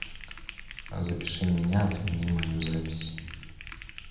запиши меня отмени мою запись